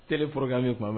T pkan ye tuma na